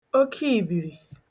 okeìbìrì